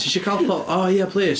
Ti isio Calpol? O, ia plis.